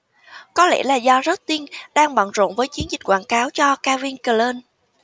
có lẽ là do justin đang bận rộn với chiến dịch quảng cáo cho calvin klein